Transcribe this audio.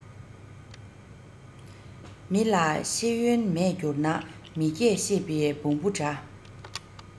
མི ལ ཤེས ཡོན མེད འགྱུར ན མི སྐད ཤེས པའི བོང བུ འདྲ